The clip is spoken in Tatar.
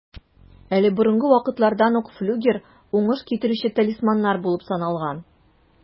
Әле борынгы вакытлардан ук флюгер уңыш китерүче талисманнар булып саналган.